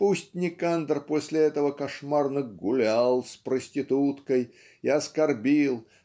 пусть Никандр после этого кошмарно "гулял" с проституткой и оскорбил